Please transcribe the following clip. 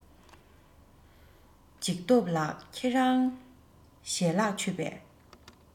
འཇིགས སྟོབས ལགས ཁྱེད རང ཞལ ལག མཆོད པས